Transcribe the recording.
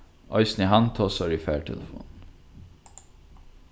eisini hann tosar í fartelefon